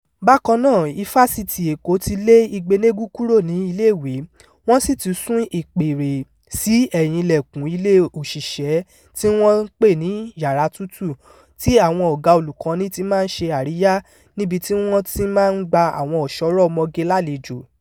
Bákan náà, Ifásitì Èkó ti lé Igbeneghu kúrò ní ilé ìwé wọ́n sì ti sún ìpèré sí ẹ̀hìn ilẹ̀kùn ilé òṣìṣẹ́ tí wọ́n ń pè ní "yàrá tútù", tí àwọn ọ̀gá olùkọ́ni ti máa ń ṣe àríyá níbi tí wọ́n ti máa ń gba àwọn ọ̀ṣọ́rọ̀ ọmọge lálejò.